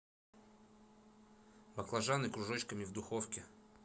баклажаны кружочками в духовке